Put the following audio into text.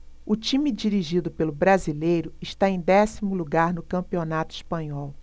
o time dirigido pelo brasileiro está em décimo lugar no campeonato espanhol